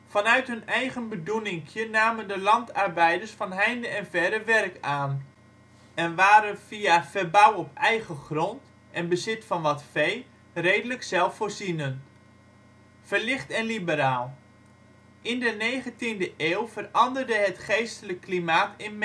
Vanuit hun eigen bedoeninkje namen de landarbeiders van heinde en verre werk aan, en waren via verbouw op eigen grond en bezit van wat vee redelijk zelfvoorzienend. Verlicht en liberaal In de negenentiende eeuw veranderde het geestelijk klimaat in